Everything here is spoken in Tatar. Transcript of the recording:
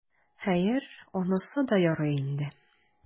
Хәер, анысы да ярый инде.